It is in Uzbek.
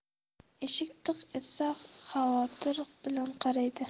eshik tiq etsa xavotir bilan qaraydi